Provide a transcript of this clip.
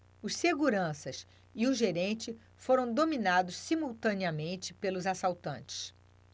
os seguranças e o gerente foram dominados simultaneamente pelos assaltantes